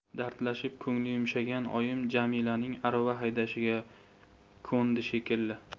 dardlashib ko'ngli yumshagan oyim jamilaning arava haydashiga ko'ndi shekilli